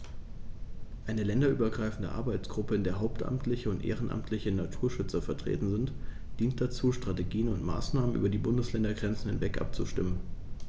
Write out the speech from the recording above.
Eine länderübergreifende Arbeitsgruppe, in der hauptamtliche und ehrenamtliche Naturschützer vertreten sind, dient dazu, Strategien und Maßnahmen über die Bundesländergrenzen hinweg abzustimmen.